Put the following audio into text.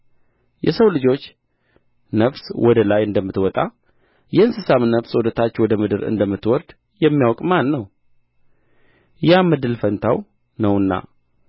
የሰው ልጆች ነፍስ ወደ ላይ እንደምትወጣ የእንስሳም ነፍስ ወደ ታች ወደ ምድር እንደምትወርድ የሚያውቅ ማን ነው ያም እድል ፈንታው ነውና